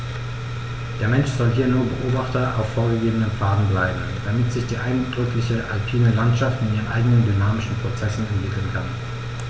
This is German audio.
Der Mensch soll hier nur Beobachter auf vorgegebenen Pfaden bleiben, damit sich die eindrückliche alpine Landschaft in ihren eigenen dynamischen Prozessen entwickeln kann.